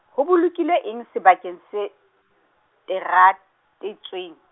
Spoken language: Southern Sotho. ho bolokilwe eng sebakeng se, teratetsweng?